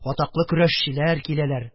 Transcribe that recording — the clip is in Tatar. Атаклы көрәшчеләр киләләр.